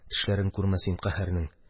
Тешләрен күрмәс идем, каһәрнең.